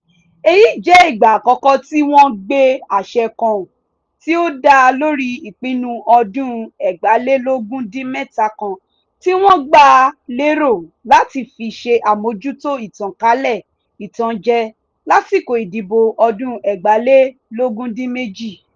Èyí jẹ́ ìgbà àkọ́kọ́ tí wọ́n gbé àṣẹ kan tí ó dá lórí ìpinnu ọdún 2017 kan tí wọ́n gbà lérò láti fi ṣe àmójútó ìtànkálẹ̀ ìtànjẹ lásìkò ìdìbò ọdún 2018.